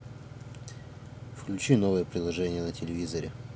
включи новые приложения на телевизоре